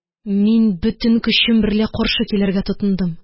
Мин бөтен көчем берлә каршы килергә тотындым.